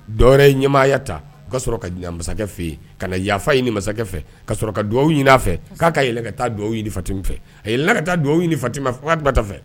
Dɔw ɲɛmaaya ta ka sɔrɔ ka masakɛ fɛ yen ka na yafafa ɲini masakɛ fɛ ka sɔrɔ ka dugawu ɲini fɛ k'a ka yɛlɛ ka taa dugawu ɲiniti fɛ a yɛlɛɛlɛn ka taa dugawu ɲini fati ma fangata fɛ